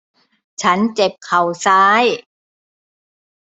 ฉันเจ็บเข่าซ้าย